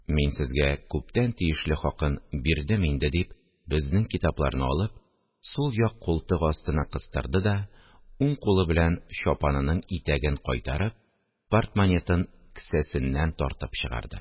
– мин сезгә күптән тиешле хакын бирдем инде, – дип, безнең китапларны алып, сул як култык астына кыстырды да, уң кулы белән чапанының итәген кайтарып, портмонетын кесәсеннән тартып чыгарды